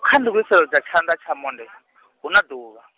kha ndugiselo dza tshanḓa tsha monde, hu na ḓuvha.